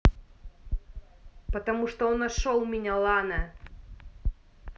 потому что он нашел меня lana